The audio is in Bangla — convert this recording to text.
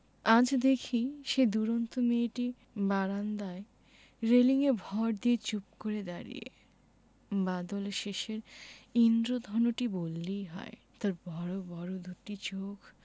আজ দেখি সেই দূরন্ত মেয়েটি বারান্দায় রেলিঙে ভর দিয়ে চুপ করে দাঁড়িয়ে বাদলশেষের ঈন্দ্রধনুটি বললেই হয় তার বড় বড় দুটি চোখ